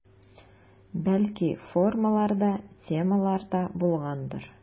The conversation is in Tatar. Бәлки формалар да, темалар да булгандыр.